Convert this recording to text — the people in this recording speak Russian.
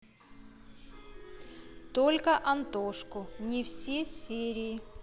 только антошку не все серии